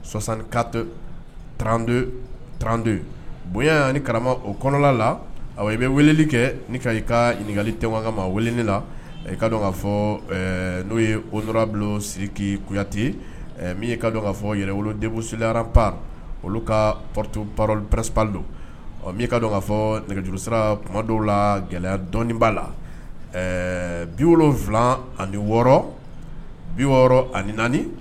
Sɔsan kato trante trante bonya ani kala o kɔnɔla la i bɛ weleli kɛ ni ka i ka ɲininkali tɛga ma wele la ka ka fɔ n'o ye o nɔrɔbu siriki kuyate min ka dɔn k kaa fɔ yɛrɛolo debusiran pan olu ka pp pɛp don ɔi kaa dɔn ka fɔ nɛgɛjuru sira tuma dɔw la gɛlɛya dɔnni b'a la bi wolo wolonwula ani wɔɔrɔ bi wɔɔrɔ ani naani